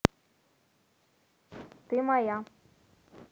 ты моя